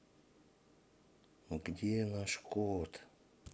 где наш кот